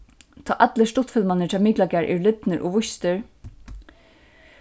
tá allir stuttfilmarnir hjá miklagarði eru lidnir og vístir